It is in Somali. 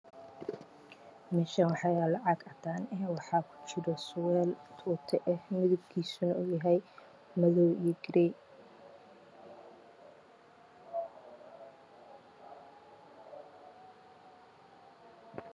Meeshaan waa caag caddaan ah waxaa ku jira surwaal madow ah dhulka ayuu yaalla darbiga wada caddaan dhulka waa cadan